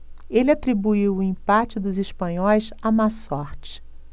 ele atribuiu o empate dos espanhóis à má sorte